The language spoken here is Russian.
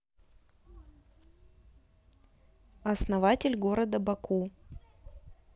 основатель города баку